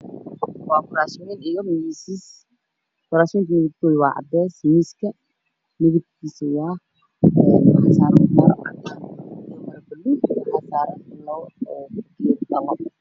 Waa miisas iyo kuraas miisasku xasan mara cadaan kuraasta midabkoodu waa qaxwi dhulka waa madow